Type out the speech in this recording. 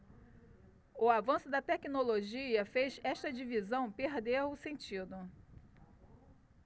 o avanço da tecnologia fez esta divisão perder o sentido